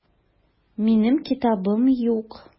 Минем китабым юк.